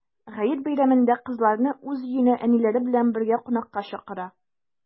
Гает бәйрәмендә кызларны уз өенә әниләре белән бергә кунакка чакыра.